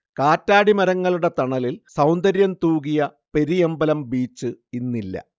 കറ്റാടിമരങ്ങളുടെ തണലിൽ സൗന്ദര്യം തൂകിയ പെരിയമ്പലം ബീച്ച് ഇന്നില്ല